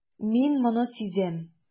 Мин моны сизәм.